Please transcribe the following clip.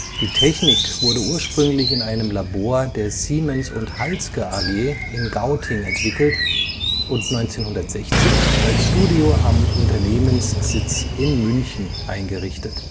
Die Technik wurde ursprünglich in einem Labor der Siemens & Halske AG in Gauting entwickelt und 1960 als Studio am Unternehmenssitz in München eingerichtet